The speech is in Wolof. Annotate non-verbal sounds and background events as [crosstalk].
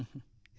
[hesitation] [hesitation]